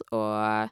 Og...